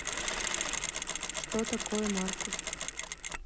что такое маркус